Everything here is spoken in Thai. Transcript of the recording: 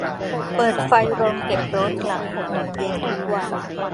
เปิดไฟโรงเก็บรถหลังหกโมงเย็นทุกวัน